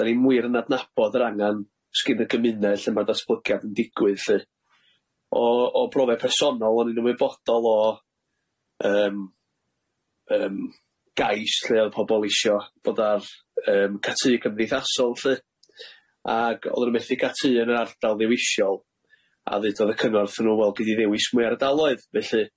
Dan ni'n wir yn adnabod yr angan sgin y gymuned lle ma'r datblygiad yn digwydd lly o o brofiad personol o'n i'n ymwybodol o yym yym gais lle o'dd pobol isio bod ar yym catŷ cymdeithasol lly ag o'dd o'n nw methu ca'l tŷ yn yr ardal ddewisiol a ddeudodd y cyngor wrtho n'w wel be' di ddewis mwyar ardaloedd felly.